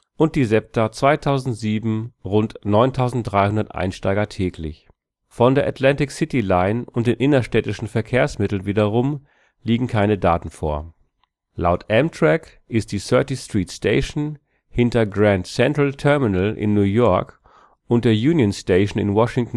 und die SEPTA 2007 rund 9.300 Einsteiger täglich. Von der Atlantic City Line und den innerstädtischen Verkehrsmitteln wiederum liegen keine Daten vor. Laut Amtrak ist die 30th Street Station hinter Grand Central Terminal in New York und der Union Station in